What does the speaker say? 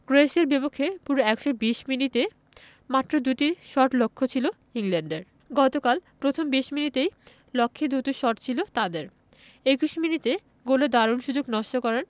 ক্রোয়েশিয়ার বিপক্ষে পুরো ১২০ মিনিটে মাত্র দুটি শট লক্ষ্যে ছিল ইংল্যান্ডের গতকাল প্রথম ২০ মিনিটেই লক্ষ্যে দুটো শট ছিল তাদের ২১ মিনিটে গোলের দারুণ সুযোগ নষ্ট করেন